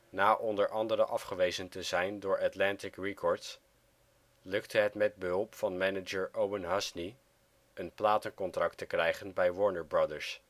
Na onder andere afgewezen te zijn door Atlantic Records, lukte het met behulp van manager Owen Husney een platencontract te krijgen bij Warner Brothers